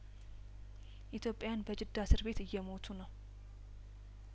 ኢትዮጵያን በጂዳ እስር ቤት እየሞቱ ነው